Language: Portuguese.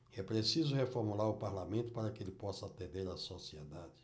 é preciso reformular o parlamento para que ele possa atender a sociedade